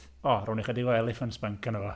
O rown ni ychydig o elephant spunk arno fo.